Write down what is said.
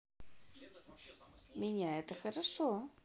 меня это хорошо